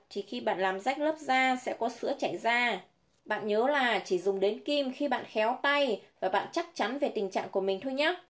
thì khi bạn làm rách lớp da sẽ có sữa chảy ra bạn nhớ là chỉ được dùng đến kim khi bạn khéo tay và bạn chắc chắn về tình trạng của mình thôi nhé